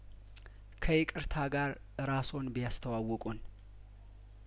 ከይቅርታ ጋር ራስዎን ቢያስተዋውቁን